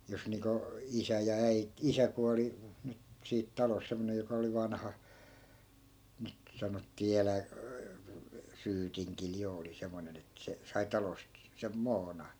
jos niin kuin isä ja - isä kuoli nyt siitä talosta semmoinen joka oli vanha nyt sanottiin - syytingillä jo oli semmoinen että se sai talosta sen muonan